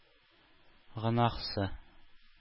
Гөнаһысы